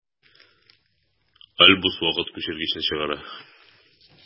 Альбус вакыт күчергечне чыгара.